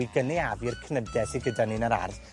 i gynaeafu'r cnyde sy gyda ni yn yr ardd.